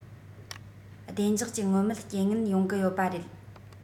བདེ འཇགས ཀྱི མངོན མེད རྐྱེན ངན ཡོང གི ཡོད པ རེད